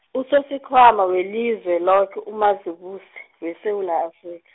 usosikhwama welizwe loke uMazibuse, weSewula Afrika.